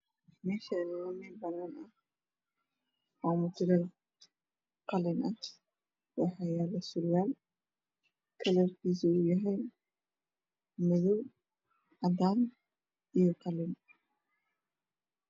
Meeshaani waa meel banaan ah waa mutuleel qalin ah waxaa yaalo surwaal kalarkiisa uu yahay madow cadaan iyo qalin